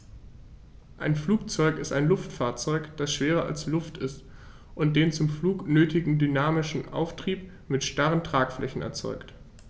Ein Flugzeug ist ein Luftfahrzeug, das schwerer als Luft ist und den zum Flug nötigen dynamischen Auftrieb mit starren Tragflächen erzeugt.